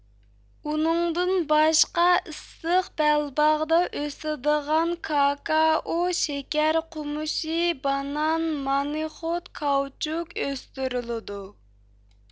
ئۇنىڭدىن باشقا ئىسسىق بەلباغدا ئۆسىدىغان كاكائو شېكەر قومۇشى بانان مانىخوت كاۋچۇك ئۆستۈرۈلىدۇ